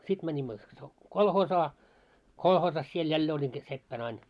sitten menimme - kolhoosiin kolhoosissa siellä jälleen olin sitten seppänä aina